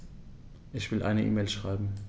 Ich will eine E-Mail schreiben.